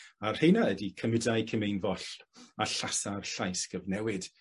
A rheina ydi Cymidai Cymeinfoll a Llasar Llaes Gyfnewid.